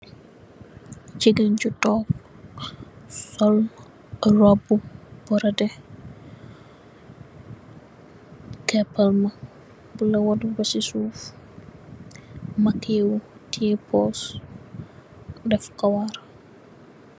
Jigeen ju tok sol robu borede kepalma basi suuf makiyewu mu teyeh poss.